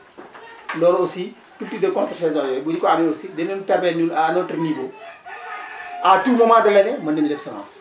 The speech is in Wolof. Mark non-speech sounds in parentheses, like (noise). (noise) loolu aussi culture :fre de contresaison yooyu bu ñu ko amee aussi dinañu permettre ñun à notre niveau (noise) à tout moment de l' année mën nañu def semence